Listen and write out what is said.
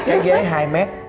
cái ghế hai mét